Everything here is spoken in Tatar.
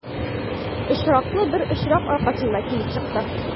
Очраклы бер очрак аркасында килеп чыкты.